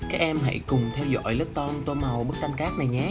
các em hãy cùng theo dõi love tom tô màu bức tranh cát này nhé